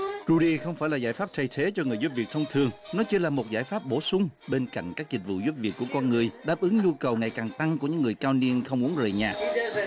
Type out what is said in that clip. ru đy không phải là giải pháp thay thế cho người giúp việc thông thường nó chỉ là một giải pháp bổ sung bên cạnh các dịch vụ giúp việc của con người đáp ứng nhu cầu ngày càng tăng của những người cao niên không muốn rời nhà